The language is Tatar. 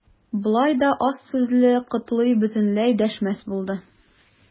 Болай да аз сүзле Котлый бөтенләй дәшмәс булды.